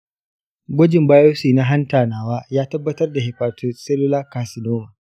gwajin biopsy na hanta nawa ya tabbatar da hepatocellular carcinoma.